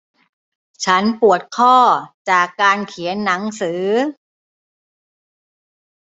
ฉันปวดข้อจากการเขียนหนังสือ